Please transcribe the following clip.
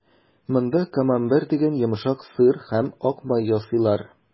Монда «Камамбер» дигән йомшак сыр һәм ак май ясыйлар.